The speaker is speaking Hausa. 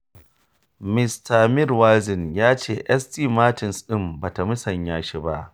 Mista Merriweather ya ce St. Martin's ɗin ba ta musanya shi ba.